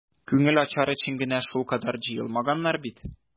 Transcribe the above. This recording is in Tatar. Күңел ачар өчен генә шулкадәр җыелмаганнар бит.